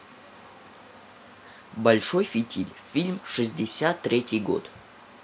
большой фитиль фильм шестьдесят третий год